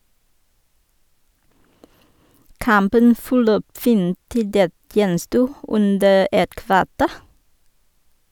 Kampen forløp fint til det gjensto under et kvarter.